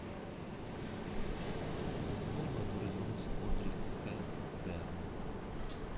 в каком году родилась одри хепберн